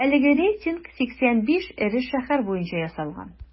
Әлеге рейтинг 85 эре шәһәр буенча ясалган.